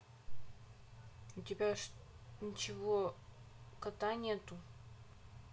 а у тебя нечего кота нету